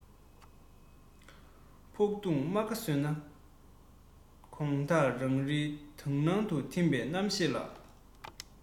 ཕོག ཐུག རྨ ཁ བཟོས ན དགོངས དག གངས རིའི དག སྣང དུ ཐིམ པའི རྣམ ཤེས ལ